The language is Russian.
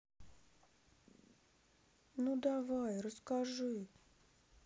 ну давай расскажи